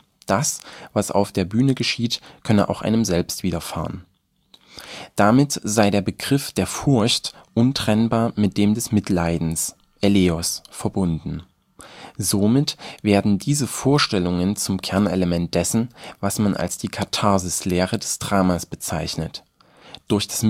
das, was auf der Bühne geschieht, könne auch einem selbst widerfahren, interpretiert werden. Damit sei der Begriff der Furcht untrennbar mit dem des Mitleid (en) s (eleos) verbunden. Somit werden diese Vorstellungen zum Kernelement dessen, was man als die Katharsis-Lehre des Dramas bezeichnet: Durch